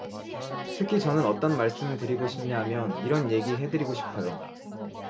특히 저는 어떤 말씀 드리고 싶냐하면 이런 얘기 해드리고 싶어요